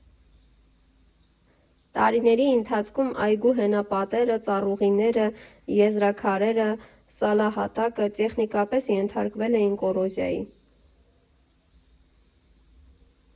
«Տարիների ընթացքում այգու հենապատերը, ծառուղիները, եզրաքարերը, սալահատակը տեխնիկապես ենթարկվել էին կոռոզիայի։